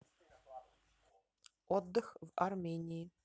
отдых в армении